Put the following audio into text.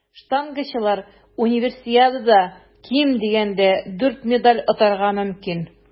Штангачылар Универсиадада ким дигәндә дүрт медаль отарга мөмкин.